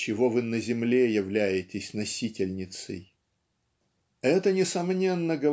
чего вы на земле являетесь носительницей"? Это несомненно